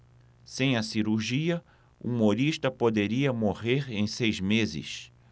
sem a cirurgia humorista poderia morrer em seis meses